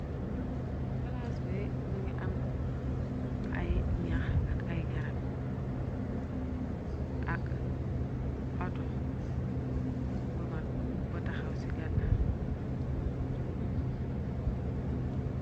Palas bi mongi am ay nax ak ay garab ak auto bu mag bo taxaw ci gannaw.